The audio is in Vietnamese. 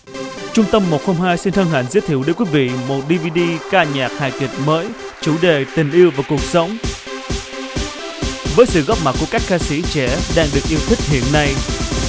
trung tâm một không hai xin hân hạnh giới thiệu đến quý vị một đi vi đi ca nhạc hài kịch mới chủ đề tình yêu và cuộc sống với sự góp mặt của các ca sĩ trẻ đang được yêu thích hiện nay